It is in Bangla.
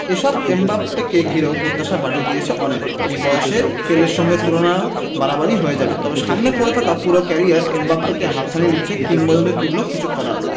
এসব এমবাপ্পেকে ঘিরেও প্রত্যাশা বাড়িয়ে দিয়েছে অনেক এই বয়সের পেলের সঙ্গে তুলনাও বাড়াবাড়িই হয়ে যাবে তবে সামনে পড়ে থাকা পুরো ক্যারিয়ার এমবাপ্পেকে হাতছানি দিচ্ছে কিংবদন্তিতুল্য কিছু করার